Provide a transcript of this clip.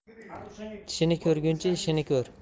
tishini ko'rguncha ishini ko'r